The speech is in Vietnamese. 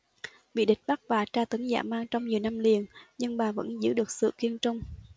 bị địch bắt và tra tấn dã man trong nhiều năm liền nhưng bà vẫn giữ được sự kiên trung